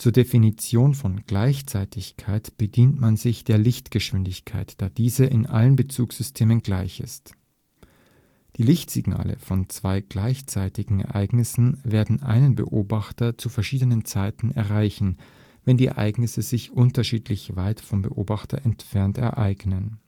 Definition von Gleichzeitigkeit bedient man sich der Lichtgeschwindigkeit, da diese in allen Bezugssystemen gleich ist. Die Lichtsignale von zwei gleichzeitigen Ereignissen werden einen Beobachter zu verschiedenen Zeiten erreichen, wenn die Ereignisse sich unterschiedlich weit vom Beobachter entfernt ereignen